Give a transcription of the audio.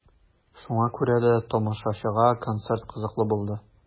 Шуңа күрә дә тамашачыга концерт кызыклы булды.